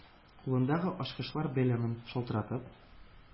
Кулындагы ачкычлар бәйләмен шалтыратып,